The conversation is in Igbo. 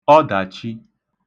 ọdàchi